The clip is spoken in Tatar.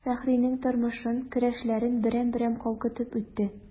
Фәхринең тормышын, көрәшләрен берәм-берәм калкытып үтте.